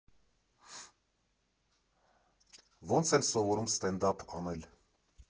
Ո՞նց են սովորում ստենդափ անել։